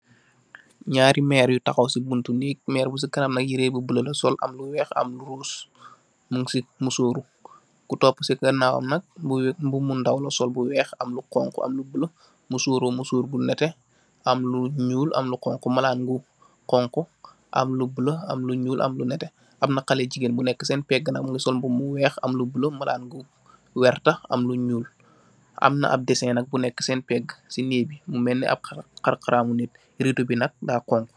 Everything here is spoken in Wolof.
Ñaari meer yu taxaw si buntu neeg, meer bu si kanam nak yire bu buloo, am lu weex am lu ruus, muñ si musooru, ku toopu si ganaawam nak, mbub mu ndaw la sol, mu am lu weex lu xoñxu am lu ñuul, musooru musóor bu nétté, am lu ñuul, am lu xoñxu, am lu bulo, am lu nétté. Am na xalé, bu jigéen bu neekë seen peegë, am mbub mu weex, sol lu bulo, am lu werta am lu ñuul, am na ab dessén nak bu neekë, si nëëg bi, ab xarkanamu bit,